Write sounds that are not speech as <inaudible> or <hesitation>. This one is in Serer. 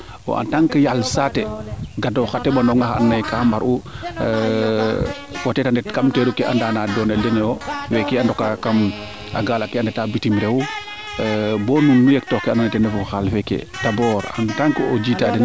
wo en tant que yaal saate gadoox xa teɓanonga xa ando naye ka mbar u <hesitation> peut etre a ndet u kam tool ke a daana doole denoyo weeke a ndoka kam gaala ke a ndeta bitim reew bo nu yek toox keeke ando naye ten ref xaal feeke o jiita a den